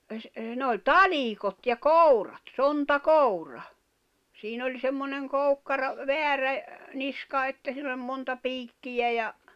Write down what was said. ne oli talikot ja kourat sontakoura siinä oli semmoinen koukkara väärä niska että siinä oli monta piikkiä ja